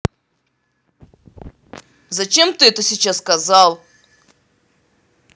зачем ты это сейчас сказал